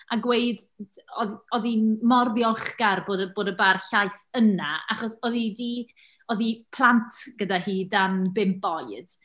A gweud oedd oedd hi mor ddiolchgar bod y bod y bar llaeth yna, achos oedd hi 'di... oedd ei plant gyda hi dan bump oed.